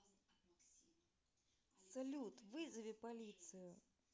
салют вызови полицию